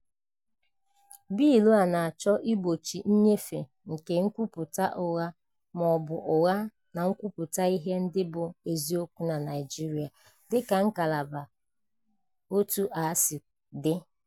Bịịlụ a na-achọ "[igbochi] nnyefe nke nkwupụta ụgha ma ọ bụ ụgha na nkwupụta ihe ndị bụ eziokwu na Naịjirịa", dị ka Ngalaba 1a si dị.